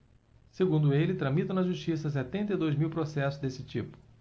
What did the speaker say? segundo ele tramitam na justiça setenta e dois mil processos desse tipo